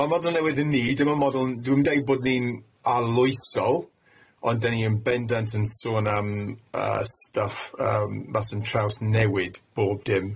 Ma' model newydd i ni, dim yn model n- dwi'm deud bod ni'n arloesol, ond 'dan ni yn bendant yn sôn am yy stwff yym 'ma sy'n trawsnewid bob dim.